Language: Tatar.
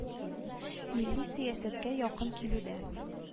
Милли сәясәткә якын килүдә